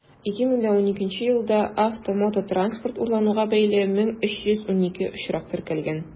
2012 елда автомототранспорт урлауга бәйле 1312 очрак теркәлгән.